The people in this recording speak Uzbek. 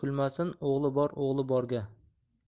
kulmasin o'g'li bor o'g'li borga